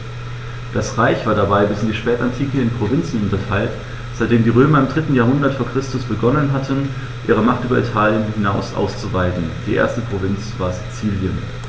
Das Reich war dabei bis in die Spätantike in Provinzen unterteilt, seitdem die Römer im 3. Jahrhundert vor Christus begonnen hatten, ihre Macht über Italien hinaus auszuweiten (die erste Provinz war Sizilien).